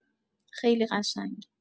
خیلی قشنگ